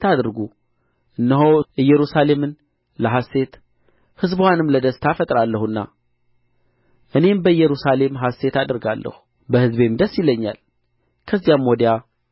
አድርጉ እነሆ ኢየሩሳሌምን ለሐሤት ሕዝብዋንም ለደስታ እፈጥራለሁና እኔም በኢየሩሳሌም ሐሤት አደርጋለሁ በሕዝቤም ደስ ይለኛል ከዚያም ወዲያ